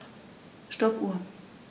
Stoppuhr.